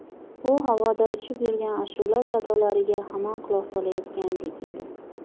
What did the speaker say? u havoda uchib yurgan ashula sadolariga hamon quloq solayotgandek edi